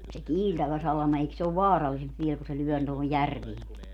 se kiiltävä salama eikö se ole vaarallisempi vielä kun se lyö tuohon järveenkin